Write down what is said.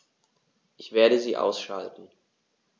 Ich werde sie ausschalten